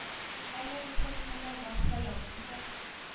Әллә бу сәлимәләр барысы да явыз микән